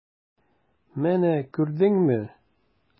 Менә күрдеңме!